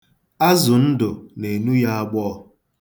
Azụ ndụ na-enu ya agbọọ.